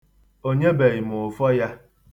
O nyebeghị m ụfọ ya.